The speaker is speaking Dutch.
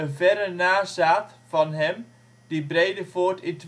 verre nazaat van hem, die Bredevoort in